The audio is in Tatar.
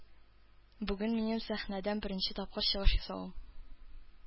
Бүген минем сәхнәдән беренче тапкыр чыгыш ясавым.